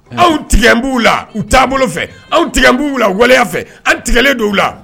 Anw tigɛ n b'u la u taabolo bolo fɛ anw tigɛ b'u la waleya fɛ an tigɛlen don uu la